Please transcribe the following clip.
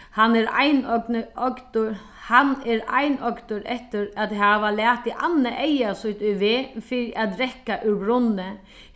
hann er ein hann er einoygdur eftir at hava latið annað eyga sítt í veð fyri at drekka úr brunni